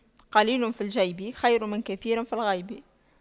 قليل في الجيب خير من كثير في الغيب